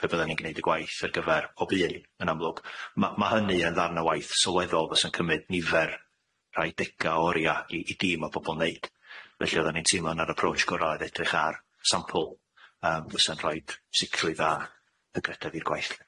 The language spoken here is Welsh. pe' byddan ni'n gneud y gwaith ar gyfer pob un yn amlwg ma' ma' hynny yn ddarn y waith sylweddol fysa'n cymyd nifer rhai dega o oria i i dîm a bobol neud felly oddan ni'n teimlo na'r aproch gora' oedd edrych ar sampl yym fysa'n rhoid sicrwydd a hygrededd i'r gwaith.